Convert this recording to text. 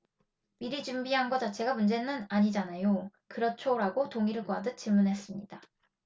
미리 준비한 거 자체가 문제는 아니잖아요 그렇죠 라고 동의를 구하듯 질문했습니다